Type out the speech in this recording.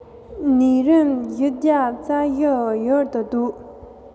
ནད རིམས བཞི བརྒྱ རྩ བཞི ཡུལ དུ བཟློག